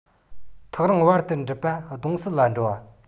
ཐག རིང བར དུ འགྲུལ པ གདོང བསུ ལ འགྲོ བ